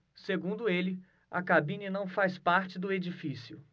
segundo ele a cabine não faz parte do edifício